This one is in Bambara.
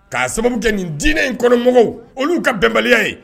K'a sababu kɛ nin diinɛ in kɔnɔmɔgɔw olu ka bɛnbali ye